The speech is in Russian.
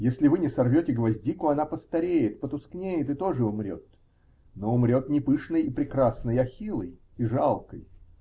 Если вы не сорвете гвоздику, она постареет, потускнеет и тоже умрет, но умрет не пышной и прекрасной, а хилой и жалкой.